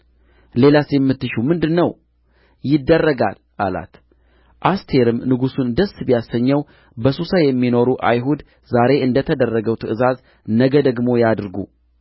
ሌላስ የምትሺው ምንድር ነው ይደረጋል አላት አስቴርም ንጉሡን ደስ ቢያሰኘው በሱሳ የሚኖሩ አይሁድ ዛሬ እንደ ተደረገው ትእዛዝ ነገ ደግሞ ያድርጉ